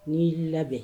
N'i y'i labɛn